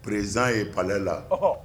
President ye palais la, ɔhɔ!